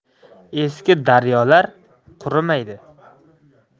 eski daryolar qurimaydi